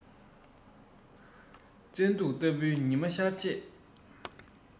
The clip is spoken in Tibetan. བཙན དུག ལྟ བུའི ཉི མ འཆར ཞེས